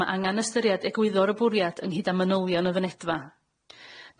ma' angan ystyriad egwyddor y bwriad ynghyd â manylion y fynedfa.